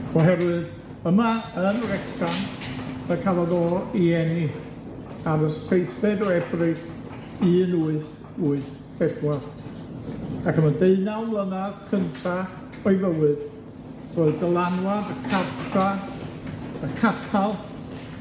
oherwydd yma yn Wrecsam fe cafodd o 'i eni ar y seithfed o Ebrill un wyth wyth pedwar, ac am y deunaw mlynadd cynta o'i fywyd, roedd dylanwad y cartra, y capal,